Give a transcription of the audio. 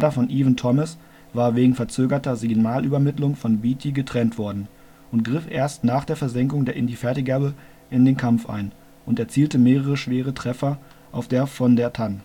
von Evan-Thomas war wegen verzögerter Signalübermittlung von Beatty getrennt worden und griff erst nach der Versenkung der Indefatigable in den Kampf ein und erzielte mehrere Treffer auf der von der Tann